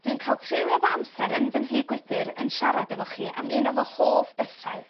dwi'n ca'l treulio fy amser yn fy nhŷ gwydyr yn siarad efo chi am un o fy hoff bethau.